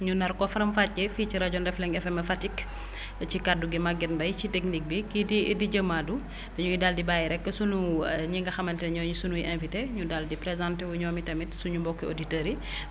ñu nar ko faram-fàccee fii ci rajo Ndefleng FM Fatick ci kàffu gi Maguette Mbaye ci technique bi kii di DJ Madou dañuy daal di bàyyi rekk sunu ñi nga xamante ni ñoo di suñu invité ñu daal di présenté wu ñoom itamit suñu mbokki auditeurs yi